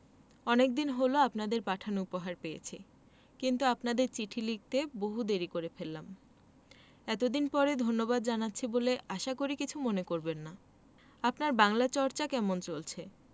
অনেকদিন হল আপনাদের পাঠানো উপহার পেয়েছি কিন্তু আপনাদের চিঠি লিখতে বহু দেরী করে ফেললাম এতদিন পরে ধন্যবাদ জানাচ্ছি বলে আশা করি কিছু মনে করবেন না আপনার বাংলা চর্চা কেমন চলছে